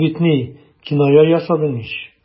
Син бит... ни... киная ясадың ич.